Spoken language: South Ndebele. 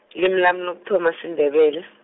limi lami lokuthoma siNdebele.